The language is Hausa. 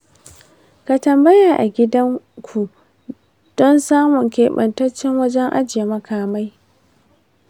ka tambaya a 'yan gidan ku don samun keɓantaccen wajen ajiye makamai.